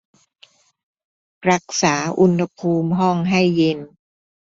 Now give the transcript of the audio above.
รักษาอุณหภูมิห้องให้เย็น